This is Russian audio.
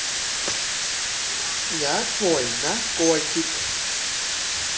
я твой наркотик